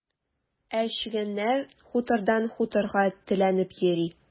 Ә чегәннәр хутордан хуторга теләнеп йөри.